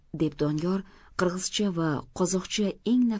deb doniyor qirg'izcha va qozoqcha eng nafis